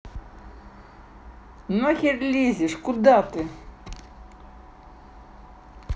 нахер лезешь куда ты